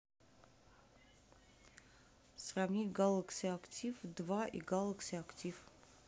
сравнить galaxy active два и galaxy active